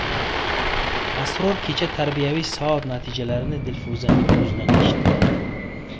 sror kecha tarbiyaviy soat natijalarini dilfuzaning o'zidan eshitdi